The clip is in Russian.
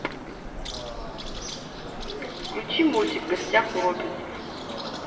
включи мультик в гостях у робинсов